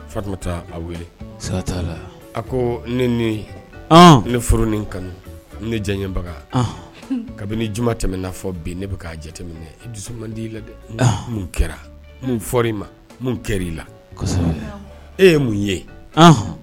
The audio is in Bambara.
Fa taa a wele sata la a ko ne ni ne furu ni kanu ne diyaɲɛbaga kabini j tɛm n'a fɔ bi ne bɛ k'a jateminɛ i dusu di'i la dɛ mun kɛra fɔ i ma mun kɛra i la e ye mun ye